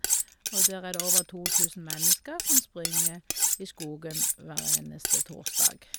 Og der er det over to tusen mennesker som springer i skogen hver eneste torsdag.